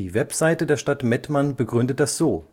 Website der Stadt Mettmann begründet das so